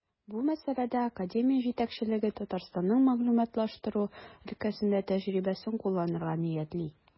Бу мәсьәләдә академия җитәкчелеге Татарстанның мәгълүматлаштыру өлкәсендә тәҗрибәсен кулланырга ниятли.